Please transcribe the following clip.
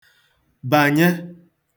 bànye